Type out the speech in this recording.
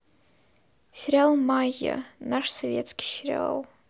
сериал майя наш советский сериал